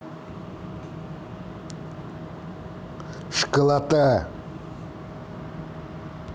школота